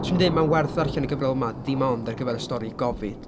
'Swn i'n dweud mae'n werth ddarllen y gyfrol yma, ddim ond ar gyfer y stori 'Gofid'.